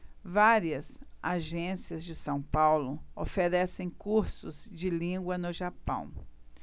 várias agências de são paulo oferecem cursos de língua no japão